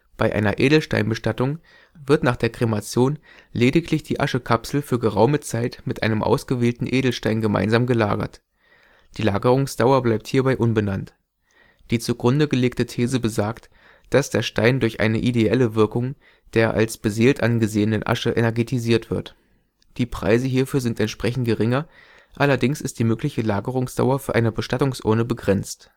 Bei einer Edelsteinbestattung wird nach der Kremation lediglich die Aschekapsel für geraume Zeit mit einem ausgewählten Edelstein gemeinsam „ gelagert “. Die Lagerungsdauer bleibt hierbei unbenannt. Die zugrunde gelegte These besagt, dass der Stein durch eine › ideelle ‹ Wirkung der (als beseelt angesehenen) Asche „ energetisiert “wird. Die Preise hierfür sind entsprechend geringer, allerdings ist die mögliche Lagerungsdauer für eine Bestattungsurne begrenzt